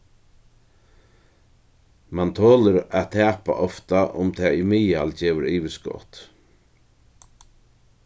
mann tolir at tapa ofta um tað í miðal gevur yvirskot